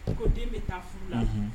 Ko den be taa furu la unhun